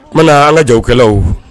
Mana an ka jakɛlaw